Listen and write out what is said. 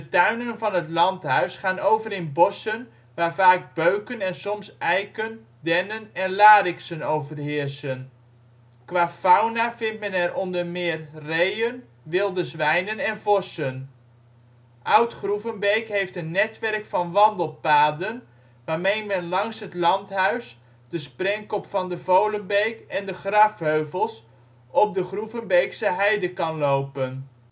tuinen van het landhuis gaan over in bossen waar vaak beuken, en soms eiken, dennen, en lariksen overheersen. Qua fauna vindt men er onder meer reeën, wilde zwijnen en vossen. Oud Groevenbeek heeft een netwerk van wandelpaden waarmee men langs het landhuis, de (sprengkop van de) Volenbeek en de grafheuvels op de Groevenbeekse heide kan lopen